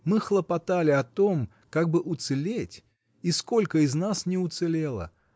мы хлопотали о том, как бы уцелеть -- и сколько из нас не уцелело!